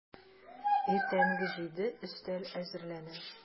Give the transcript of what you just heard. Иртәнге җиде, өстәл әзерләнә.